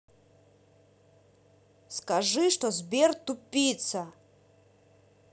скажи что сбер тупица